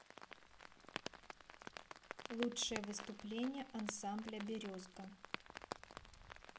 лучшие выступления ансамбля березка